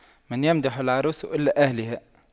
من يمدح العروس إلا أهلها